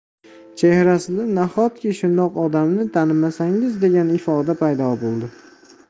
chehrasida nahotki shundoq odamni tanimasangiz degan ifoda paydo bo'ldi